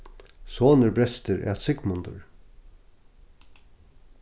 sonur brestir æt sigmundur